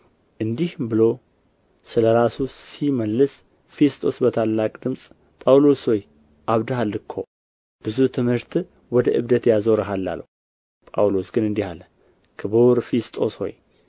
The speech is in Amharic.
እንዲህም ብሎ ስለ ራሱ ሲመልስ ፊስጦስ በታላቅ ድምፅ ጳውሎስ ሆይ አብድሃል እኮ ብዙ ትምህርትህ ወደ እብደት ያዞርሃል አለው ጳውሎስ ግን እንዲህ አለ ክቡር ፊስጦስ ሆይ